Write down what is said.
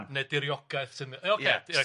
Neu neu diriogaeth